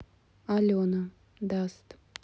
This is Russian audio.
алена даст